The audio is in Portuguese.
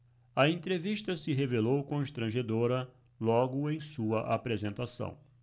a entrevista se revelou constrangedora logo em sua apresentação